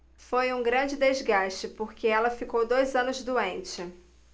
foi um grande desgaste porque ela ficou dois anos doente